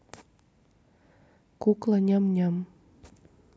кукла ням ням